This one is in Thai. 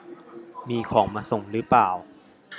มีใครมาส่งของรึเปล่า